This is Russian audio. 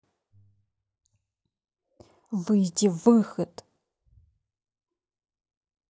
выйди выход